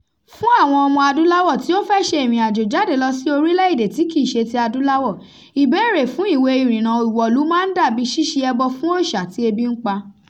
Fún àwọn Ọmọ-adúláwọ̀ tí ó fẹ́ ṣe ìrìnàjò jáde lọ sí orílẹ̀-èdè tí kìí ṣe ti adúláwọ̀, ìbéèrè fún ìwé ìrìnnà ìwọ̀lú máa ń dà bíi ṣíṣe ẹbọ fún òòṣà tí ebi ń pa.